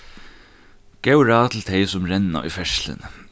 góð ráð til tey sum renna í ferðsluni